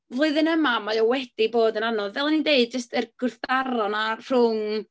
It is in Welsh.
Flwyddyn yma mae o wedi bod yn anodd. Fel o'n i'n deud, jyst yr gwrthdaro 'na rhwng...